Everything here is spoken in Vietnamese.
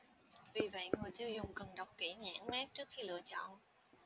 vì vậy người tiêu dùng cần đọc kỹ nhãn mác trước khi lựa chọn